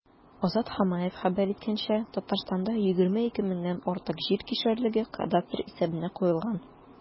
Азат Хамаев хәбәр иткәнчә, Татарстанда 22 меңнән артык җир кишәрлеге кадастр исәбенә куелган.